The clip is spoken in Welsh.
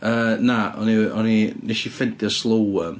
Yy na o'n i e- o'n i... Wnes i ffeindio slow worm.